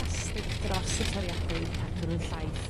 plastic dros y toriade 'w cadw nw'n llaith.